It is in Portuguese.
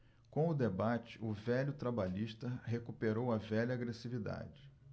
com o debate o velho trabalhista recuperou a velha agressividade